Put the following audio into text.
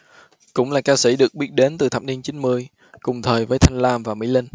cũng là ca sĩ được biết đến từ thập niên chín mươi cùng thời với thanh lam và mỹ linh